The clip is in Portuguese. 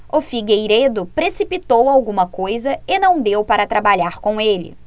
o figueiredo precipitou alguma coisa e não deu para trabalhar com ele